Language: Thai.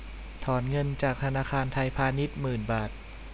ถอนเงินจากธนาคารไทยพาณิชย์หมื่นบาท